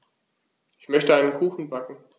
Ich möchte einen Kuchen backen.